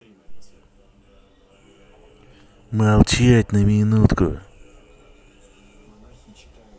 молчать на минутку